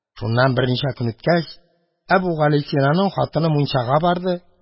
Шуннан берничә көн үткәч, Әбүгалисинаның хатыны мунчага барды.